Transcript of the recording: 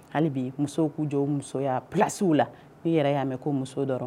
Hali bi musow k'u jɔ musoya plasi la n'i yɛrɛ y'a mɛn ko muso dɔrɔn